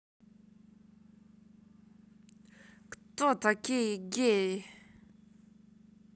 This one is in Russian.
кто такие геи